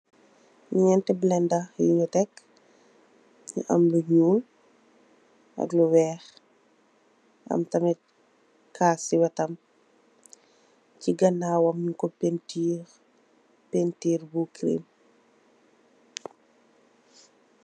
Nyenti belenda yu nyu tekk bu am lu nyuul ak lu weih am tamit kass sey wettam sey ganawam nyungko paintirr paintirr bu gereen.